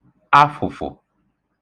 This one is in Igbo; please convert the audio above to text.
afụ̀fụ̀